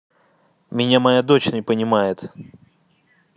меня моя дочь не понимает